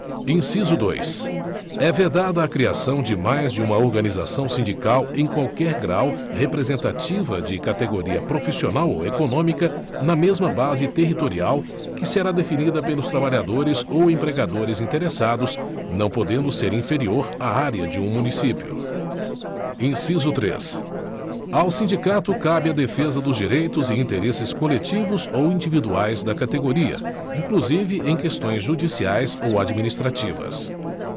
inciso dois é vedada a criação de mais de uma organização sindical em qualquer grau representativa de categoria profissional ou econômica na mesma base territorial que será definida pelos trabalhadores ou empregadores interessados não podendo ser inferior à área de um município inciso três ao sindicato cabe a defesa dos direitos e interesses coletivos ou individuais da categoria inclusive em questões judiciais ou administrativas